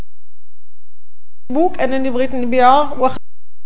مو انا اللي بغيت نبيها